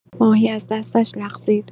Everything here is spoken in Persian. ماهی از دستش لغزید